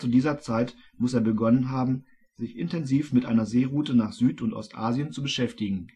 dieser Zeit muss er begonnen haben, sich intensiv mit einer Seeroute nach Süd - und Ostasien zu beschäftigen